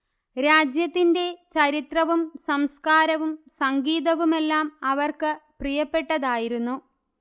രാജ്യത്തിന്റെ ചരിത്രവും സംസ്കാരവും സംഗീതവുമെല്ലാം അവർക്ക് പ്രിയപ്പെട്ടതായിരുന്നു